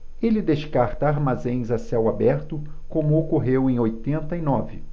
ele descarta armazéns a céu aberto como ocorreu em oitenta e nove